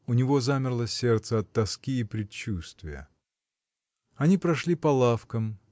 У него замерло сердце от тоски и предчувствия. Они прошли по лавкам.